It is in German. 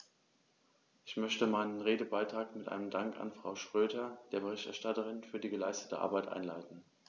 Ich möchte meinen Redebeitrag mit einem Dank an Frau Schroedter, der Berichterstatterin, für die geleistete Arbeit einleiten.